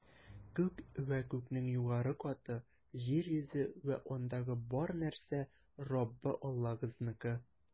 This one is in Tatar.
Күк вә күкнең югары каты, җир йөзе вә андагы бар нәрсә - Раббы Аллагызныкы.